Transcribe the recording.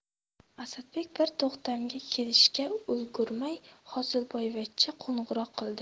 asadbek bir to'xtamga kelishga ulgurmay hosilboyvachcha qo'ng'iroq qildi